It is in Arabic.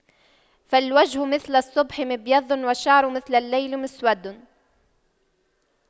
فالوجه مثل الصبح مبيض والشعر مثل الليل مسود